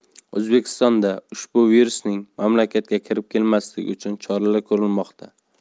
o'zbekistonda ushbu virusning mamlakatga kirib kelmasligi uchun choralar ko'rilmoqda